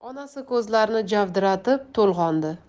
onasi ko'zlarini javdiratib to'lg'ondi